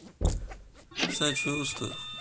сочувствую